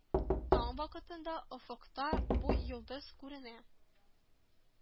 Таң вакытында офыкта бу йолдыз күренә